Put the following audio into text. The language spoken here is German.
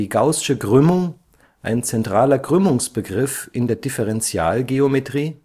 gaußsche Krümmung, ein zentraler Krümmungsbegriff in der Differentialgeometrie